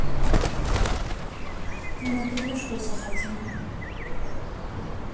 ну например что захотим